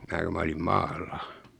minä kun minä olin maalla